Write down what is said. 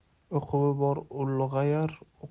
o'quvi bor ulg'ayar